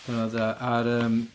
Pennod ar yym